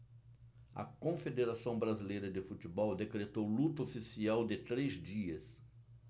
a confederação brasileira de futebol decretou luto oficial de três dias